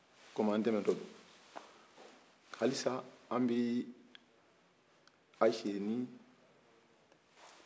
comme an tɛmɛtɔ don alisa an bi ayise ni a cɛ ka furu ko la seyidu